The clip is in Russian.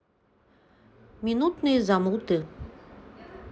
мутные замуты